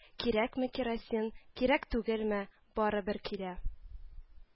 Кирәкме керосин, кирәк түгелме — барыбер килә